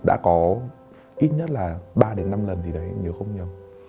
đã có ít nhất là ba đến năm lần gì đấy em nhớ không nhầm